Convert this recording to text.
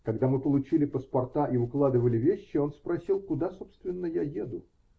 Когда мы получили паспорта и укладывали вещи, он спросил, куда, собственно, я еду.